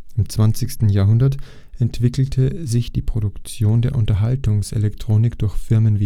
20. Jahrhundert entwickelte sich die Produktion der Unterhaltungselektronik durch Firmen